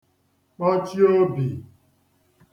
kpọchi obi